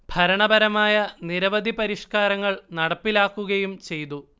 ഭരണപരമായ നിരവധി പരിഷ്കാരങ്ങൾ നടപ്പിലാക്കുകയും ചെയ്തു